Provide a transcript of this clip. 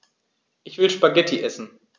Ich will Spaghetti essen.